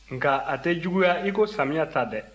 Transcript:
nka a tɛ juguya i ko samiyɛ ta dɛ